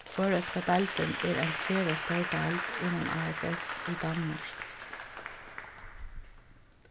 føroyska deildin er ein sera stór deild innan afs í danmark